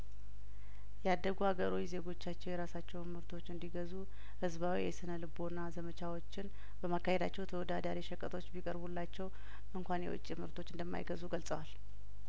ያደጉ አገሮች ዜጐቻቸው የራሳቸውን ምርቶች እንዲ ገዙ ህዝባዊ የስነ ልቦና ዘመቻዎችን በማካሄዳቸው ተወዳዳሪ ሸቀጦች ቢቀርቡላቸው እንኳን የውጭምርት እንደማይገዙ ገልጸዋል